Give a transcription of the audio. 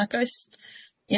Nag oes.